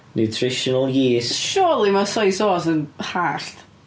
Nutritional yeast... Surely, mae soy sauce yn hallt.